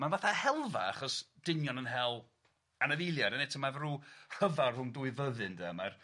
ma'n fatha helfa achos dynion yn hel anafiliaid, ond eto ma' fe rw rhyfel rhwng dwy fyddin de, mae'r